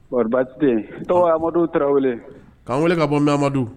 Bate tɔw amadu tarawele k'an wele ka bon amadu